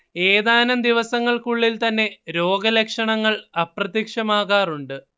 ഏതാനും ദിവസങ്ങൾക്കുള്ളിൽ തന്നെ രോഗലക്ഷണങ്ങൾ അപ്രത്യക്ഷമാകാറുമുണ്ട്